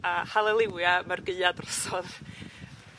a haleliwia ma'r Gaea drosodd.